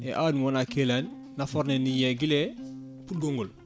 e awdi mo won a keeladi nafoore nde ne yiiye guila e pudgol ngol